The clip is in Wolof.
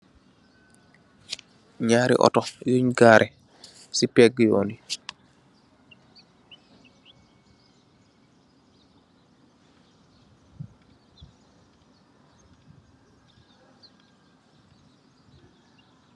Nyaari ooto yunj gare si pegi yoonwi